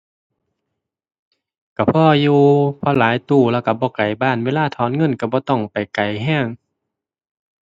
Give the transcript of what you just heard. ก็พออยู่ เพราะหลายตู้แล้วก็บ่ไกลบ้าน เวลาถอนเงินก็บ่ต้องไปไกลก็